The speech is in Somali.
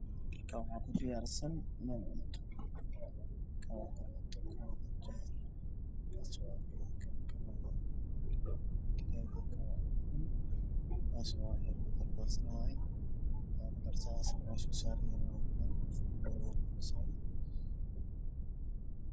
Waxaa saxan cadaan waxaa ku qudaar hilib